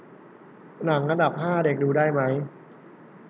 หนังอันดับห้าเด็กดูได้ไหม